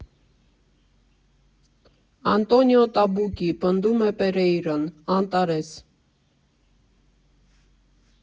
Անտոնիո Տաբուկկի, «Պնդում է Պերեյրան», Անտարես։